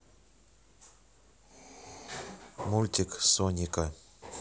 мультик соника